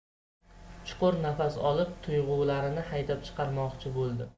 chuqur nafas olib tuyg'ularini haydab chiqarmoqchi bo'ldi